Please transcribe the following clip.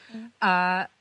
Ia. A